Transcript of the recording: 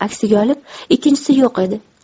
aksiga olib ikkinchisi yo'q edi